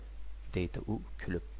deydi u kulib